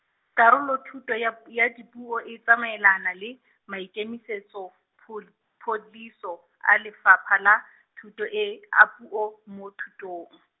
karolo thuto ya p- ya dipuo e tsamaelana le, maikemisetso, phol- pholiso a Lefapha la, Thuto e, a puo mo thutong.